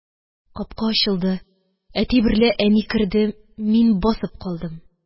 Капка ачылды. Әти берлә әни керде. Мин басып калдым.